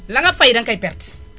la nga fay danga koy perte